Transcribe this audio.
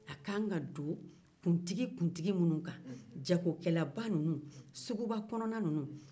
a kan ka don kuntigi kuntigi minnuw kan jagokɛlaba ninnuw suguba kɔnɔna ninnuw